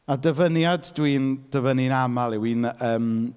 A dyfyniad dwi'n dyfynnu'n aml yw un, yym...